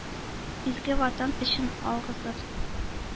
Изге Ватан өчен агызып,